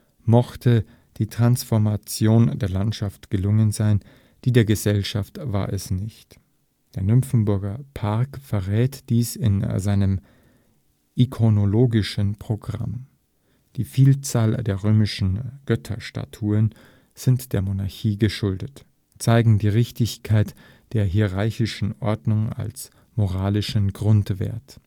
Mochte die Transformation der Landschaft gelungen sein, die der Gesellschaft war es nicht. Der Nymphenburger Park verrät dies in seinem ikonologischen Programm: Die Vielzahl der römischen Götterstatuen sind der Monarchie geschuldet, zeigen die Richtigkeit der hierarchischen Ordnung als moralischen Grundwert